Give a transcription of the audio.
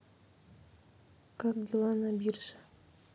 как дела на бирже